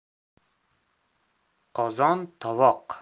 qozon tovoq